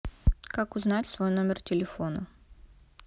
как узнать свой номер телефона